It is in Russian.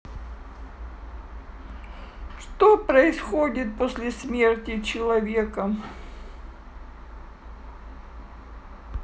что происходит после смерти человека